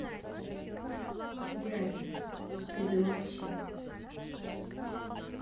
дядя ты замолчи